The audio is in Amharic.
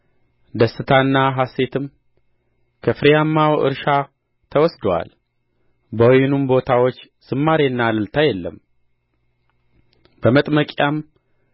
ደስታና ሐሤትም ከፍሬያማው እርሻ ተወስዶአል በወይኑም ቦታዎች ዝማሬና እልልታ የለም በመጥመቂያም